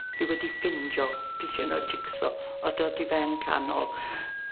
Fi wedi ffindio pishyn o jig-so a dodi fe yn canol